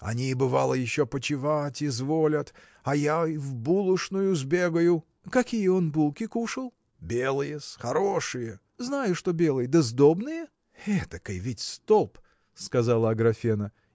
Они, бывало, еще почивать изволят, а я и в булочную сбегаю. – Какие он булки кушал? – Белые-с, хорошие. – Знаю, что белые; да сдобные? – Этакой ведь столб! – сказала Аграфена